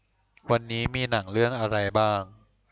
วันนี้มีหนังเรื่องอะไรบ้าง